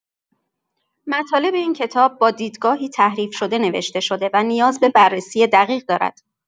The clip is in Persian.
مطالب این کتاب با دیدگاهی تحریف‌شده نوشته شده و نیاز به بررسی دقیق دارد.